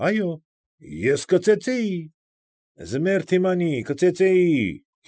Այո։ ֊ Ես կծեծեի, ղմերթիմանի, կծեծեի։